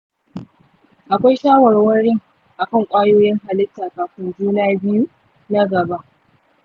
akwai shawarwarin akan kwayoyin halitta kafin juna biyu na gaba.